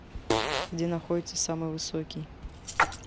где находится самый высокий